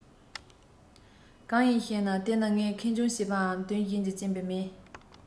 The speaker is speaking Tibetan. གང ཡིན ཞེ ན དེ ནི ངས ཁེངས སྐྱུང བྱས པའམ དོན གཞན གྱི རྐྱེན པས མིན